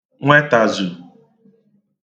nwetàzù